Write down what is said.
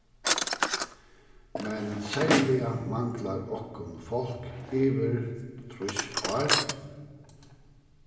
men serliga manglar okkum fólk yvir trýss ár